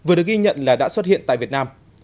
vừa được ghi nhận là đã xuất hiện tại việt nam